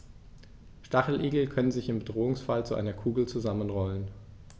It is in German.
Stacheligel können sich im Bedrohungsfall zu einer Kugel zusammenrollen.